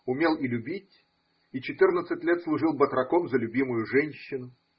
умел и любить и четырнадцать лет служил батраком за любимую женщину.